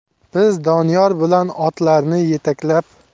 biz doniyor bilan otlarni yetaklab